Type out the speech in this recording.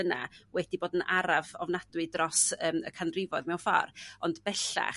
yna wedi bod yn araf ofnadwy dros yym y canrifoedd mewn ffor' ond bellach